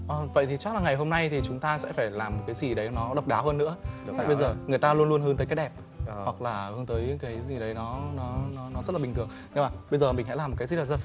ờ vậy thì chắc là ngày hôm nay thì chúng ta sẽ phải làm cái gì đấy nó độc đáo hơn nữa bây giờ người ta luôn luôn hướng tới cái đẹp hoặc là hướng tới những cái gì đấy nó nó nó rất là bình thường nhưng mà bây giờ mình hãy làm cái gì đó rất